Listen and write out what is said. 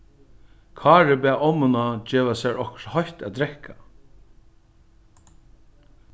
kári bað ommuna geva sær okkurt heitt at drekka